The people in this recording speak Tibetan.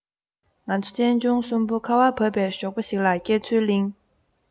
ང ཚོ གཅེན གཅུང གསུམ པོ ཁ བ བབས པའི ཞོགས པ ཞིག ལ སྐྱེ ཚུལ གླེང